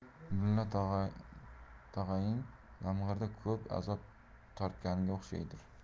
mullo tog'oying yomg'irda ko'p azob tortganga o'xshaydir